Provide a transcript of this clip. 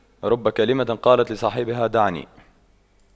رب كلمة قالت لصاحبها دعني